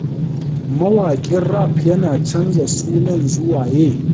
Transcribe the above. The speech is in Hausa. Mawaƙin Rap yana canza sunan - zuwa Ye.